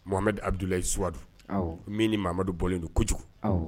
Madu abudulayi susuwadu min nimadu bɔlen don kojugu